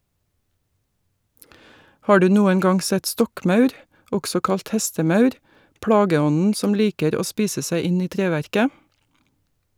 Har du noen gang sett stokkmaur , også kalt hestemaur , plageånden som liker å spise seg inn i treverket?